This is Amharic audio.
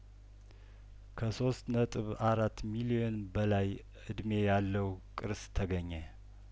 ከሶስት ነጥብ አራት ሚሊዮን በላይ እድሜ ያለው ቅርስ ተገኘ